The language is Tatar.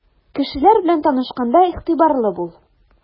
Кешеләр белән танышканда игътибарлы бул.